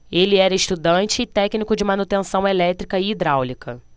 ele era estudante e técnico de manutenção elétrica e hidráulica